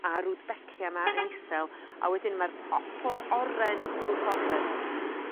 a Rudbeckia 'ma yn isel a wedyn ma'r pop o'r oren drw'r border.